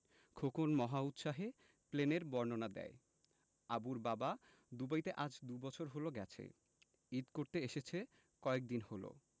খোকন মহা উৎসাহে প্লেনের বর্ণনা দেয় আবুর বাবা দুবাইতে আজ দুবছর হলো গেছে ঈদ করতে এসেছে কয়েকদিন হলো